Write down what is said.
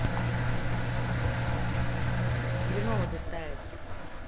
хренова ты старайся